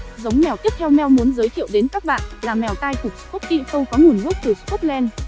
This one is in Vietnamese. giống mèo tiếp theo meow muốn giới thiệu đến các bạn là mèo tai cụp scottish fold có nguồn gốc từ scotland